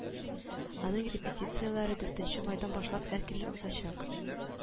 Аның репетицияләре дүртенче майдан башлап һәр көнне узачак